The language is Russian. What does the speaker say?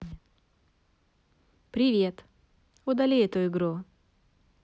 привет удали эту игру